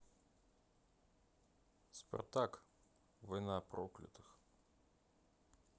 спартак война проклятых